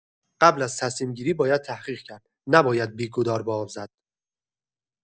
قبل از تصمیم‌گیری باید تحقیق کرد، نباید بی‌گدار به آب زد.